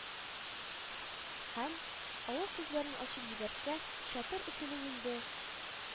Һәм, авыр күзләрен ачып җибәрсә, чатыр эченең инде